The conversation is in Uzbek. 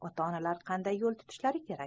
ota onalar qanday yo'l tutishlari kerak